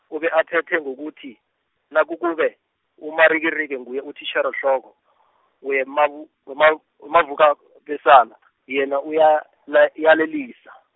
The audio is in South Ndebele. ube aphethe ngokuthi, nakukube, uMarikiriki nguye utitjherehloko , wemabu-, wema- weMavuka- -besala , yena uyala uyalayelisa.